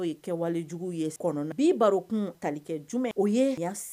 No kɛ walejugu ye bi baro kun tali kɛ jumɛn o ye